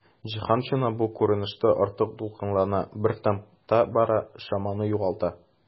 Җиһаншина бу күренештә артык дулкынлана, бер темпта бара, чаманы югалта.